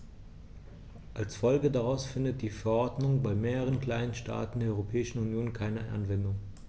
Als Folge daraus findet die Verordnung bei mehreren kleinen Staaten der Europäischen Union keine Anwendung.